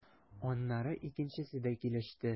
Аннары икенчесе дә килеште.